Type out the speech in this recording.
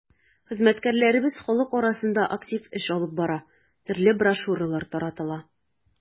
Хезмәткәрләребез халык арасында актив эш алып бара, төрле брошюралар таратыла.